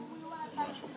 mentionné